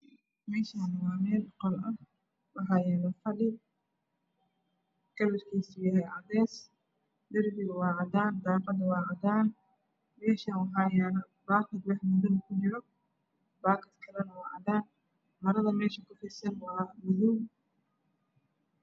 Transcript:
Meeshani waa meel qol ah waxaa yaalo fadhi kalarkiisu yahay cadays darbigu wa cadaan daaqadu waa cadaan meeshani waxaa yaalo uu kujiro marada mesha kutiirsan waa madaw